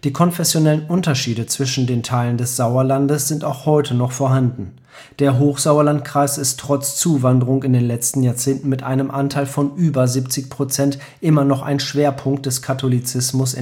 konfessionellen Unterschiede zwischen den Teilen des Sauerlandes sind auch heute noch vorhanden. Der Hochsauerlandkreis ist trotz Zuwanderungen in den letzten Jahrzehnten mit einem Anteil von über 70 Prozent immer noch ein Schwerpunkt des Katholizismus